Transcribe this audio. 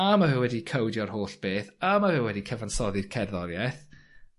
a ma' fe wedi codio'r holl beth a ma' fe wedi cyfansoddi'r cerddorieth.